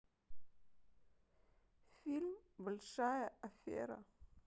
фильм большая афера